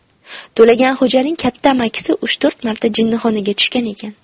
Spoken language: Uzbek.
to'laganxo'janing katta amakisi uch to'rt marta jinnixonaga tushgan ekan